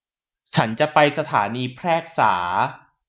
ฉันจะไปสถานีแพรกษา